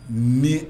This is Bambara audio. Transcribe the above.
Min